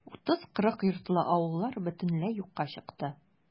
30-40 йортлы авыллар бөтенләй юкка чыкты.